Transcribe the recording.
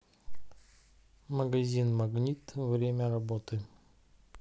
магазин магнит время работы